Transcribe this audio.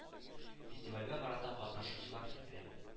Фестивальгә карата катнашучылар фикере